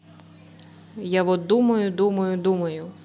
я вот думаю думаю думаю